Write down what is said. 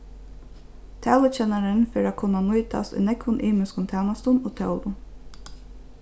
talukennarin fer at kunna nýtast í nógvum ymiskum tænastum og tólum